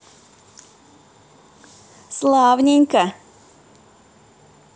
славненько